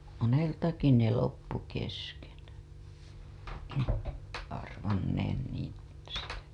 moneltakin ne loppui kesken arvanneen niin sitä